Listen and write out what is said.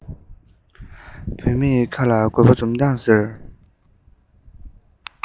བུད མེད ཁ ལ དགོས པ འཛུམ མདངས ཟེར